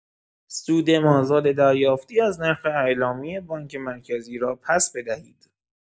سود مازاد دریافتی از نرخ اعلامی بانک مرکزی را پس‌بدهید.